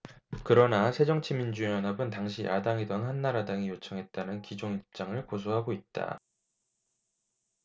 그러나 새정치민주연합은 당시 야당이던 한나라당이 요청했다는 기존 입장을 고수하고 있다